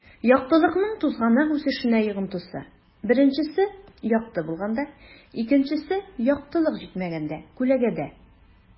Яктылыкның тузганак үсешенә йогынтысы: 1 - якты булганда; 2 - яктылык җитмәгәндә (күләгәдә)